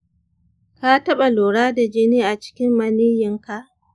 ka taɓa lura da jini a cikin maniyyinka?